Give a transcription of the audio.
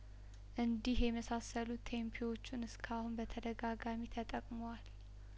እንዲህ የመሳሰሉ ቴም ፔዎችን እስካሁን በተደጋጋሚ ተጠቅሟል